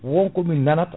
wonko min nanata